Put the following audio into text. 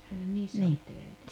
ja ja niissä olitte öitä